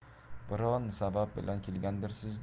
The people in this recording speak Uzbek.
biron sabab bilan kelgandirsiz